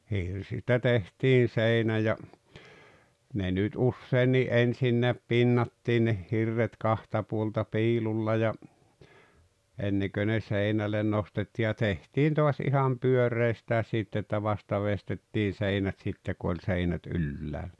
hirsistä tehtiin seinä ja ne nyt useinkin ensinnäkin pinnattiin ne hirret kahta puolta piilulla ja ennen kuin ne seinälle nostettiin ja tehtiin taas ihan pyöreistäkin sitten että vasta veistettiin seinät sitten kun oli seinät ylhäällä